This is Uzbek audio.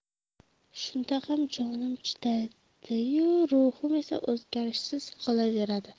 shunda ham jonim chiqadi yu ruhim esa o'zgarishsiz qolaveradi